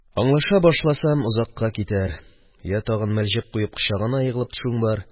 Аңлаша башласам, озакка китәр, йә тагын мәлҗеп куеп кочагына егылып төшүең бар,